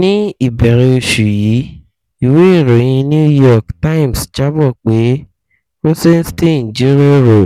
Ní ìbẹ̀rẹ̀ oṣù yìí, ìwé ìròyìn New York Times jábọ̀ pé Rosenstein jíròrò